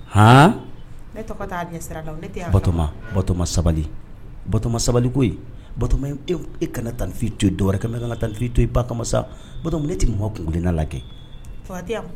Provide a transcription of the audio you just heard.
H ne bato batoma sabali ko bato e kana tanfi to yen dɔwɛrɛkɛ ne kan tanfi to yen ba kama sa ba ne tɛ ma kunna la kɛ